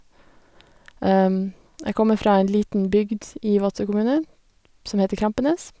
Jeg kommer fra en liten bygd i Vadsø kommune som heter Krampenes.